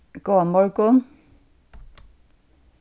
góðan morgun